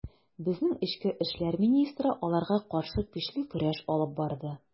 Безнең эчке эшләр министры аларга каршы көчле көрәш алып барды.